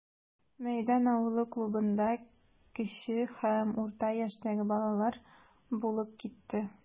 Мәйдан авылы клубында кече һәм урта яшьтәге балалар булып китте.